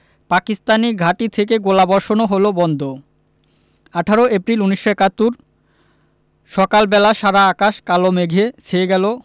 পাকিস্তানি ঘাঁটি থেকে গোলাবর্ষণও হলো বন্ধ ১৮ এপ্রিল ১৯৭১ সকাল বেলা সারা আকাশ কালো মেঘে ছেয়ে গেল